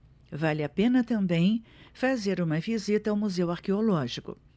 vale a pena também fazer uma visita ao museu arqueológico